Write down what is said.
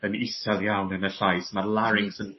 yn isal iawn yn y llais ma'r larynx yn